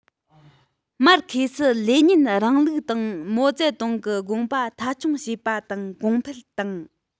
མར ཁེ སི ལེ ཉིན རིང ལུགས དང མའོ ཙེ ཏུང གི དགོངས པ མཐའ འཁྱོངས བྱས པ དང གོང འཕེལ བཏང